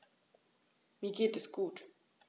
Mir geht es gut.